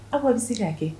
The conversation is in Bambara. Aw ka bɛ se k'a kɛ